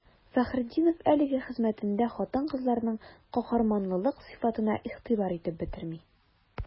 Фәхретдинов әлеге хезмәтендә хатын-кызларның каһарманлылык сыйфатына игътибар итеп бетерми.